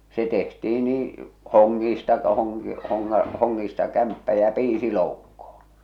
se tehtiin niin hongista -- hongista kämppä ja piisi loukkoon